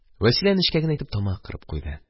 Вәсилә нечкә генә итеп тамак кырып куйды.